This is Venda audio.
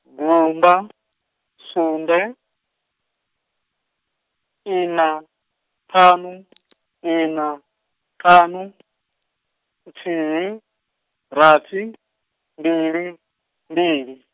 gumba , sumbe, ina, ṱhanu , ina, ṱhanu , nthihi, rathi , mbili, mbili.